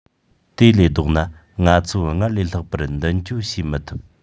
དེ ལས ལྡོག ན ང ཚོ སྔར ལས ལྷག པར མདུན སྐྱོད བྱེད མི ཐུབ